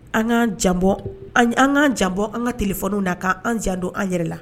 An k'an jan bɔ, an k'an jan bɔ an ka télephones w la, k'an jan don an yɛrɛ la janbɔ an ka tfw na'an jan don an yɛrɛ la.